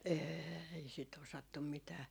ei sitä osattu mitään